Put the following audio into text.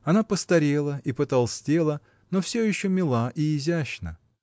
Она постарела и потолстела, но все еще мила и изящна.